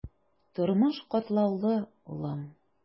Тормыш катлаулы, улым.